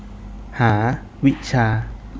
หาวิชา